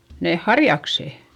ne harjakset